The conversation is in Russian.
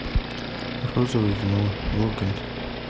розовое вино ургант